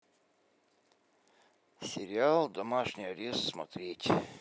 сериал домашний арест смотреть